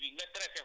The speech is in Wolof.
waaw